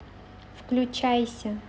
включайся